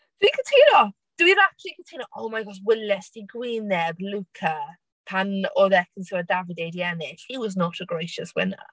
Dwi'n cytuno, dwi'n acshyli cytuno. Oh my God weles 'di gwyneb Luca pan oedd Ekin Su a Davide 'di ennill? He was not a gracious winner.